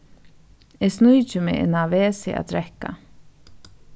eg sníki meg inná vesið at drekka